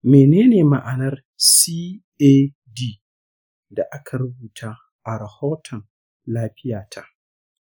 menene ma'anar cad da aka rubuta a rahoton lafiyata?